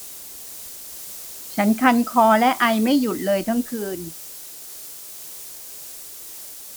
ฉันคันคอและไอไม่หยุดเลยทั้งคืน